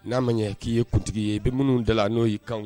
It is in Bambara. N'a ma ɲɛ k'i ye kuntigi ye i bɛ minnu dala n'o y'i kan